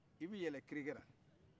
i bi yɛlɛn kirikɛla